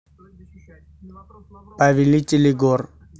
повелители гор